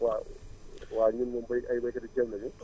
waaw waa ñun moom béy ay béykatu ceeb la ñu